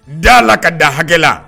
Da la ka da hakɛla